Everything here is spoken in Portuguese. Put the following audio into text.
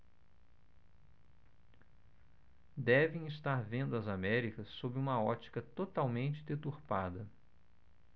devem estar vendo as américas sob uma ótica totalmente deturpada